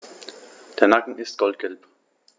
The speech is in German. Der Nacken ist goldgelb.